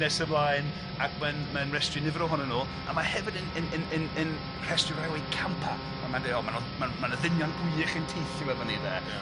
Nes ymlaen ac ma'n ma'n restru nifer ohonyn nhw, a ma' hefyd yn yn yn yn restru rhai o eu campa a ma'n deu, o, ma' nw'n ma' ma' 'na ddynion gwych yn teithio efo ni 'de? Ia.